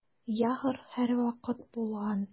Ягр һәрвакыт булган.